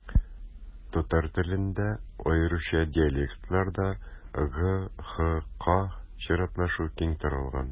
Татар телендә, аеруча диалектларда, г-х-к чиратлашуы киң таралган.